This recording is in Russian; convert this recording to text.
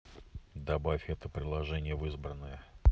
добавь это приложение в избранное